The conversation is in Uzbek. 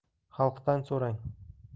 xalqdan so'rang